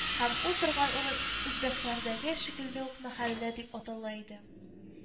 Һәм ул торган урын үзбәкләрдәге шикелле үк мәхәллә дип атала иде